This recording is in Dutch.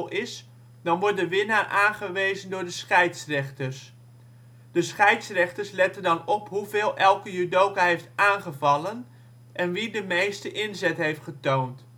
is, dan wordt de winnaar aangewezen door de scheidsrechters. De scheidsrechters letten dan op hoeveel elke judoka heeft aangevallen en wie de meeste inzet heeft getoond